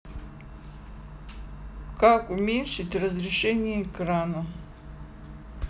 как уменьшить разрешение экрана